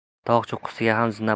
tog' cho'qqisiga ham